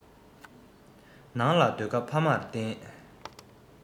ནང ལ སྡོད སྐབས ཕ མར བརྟེན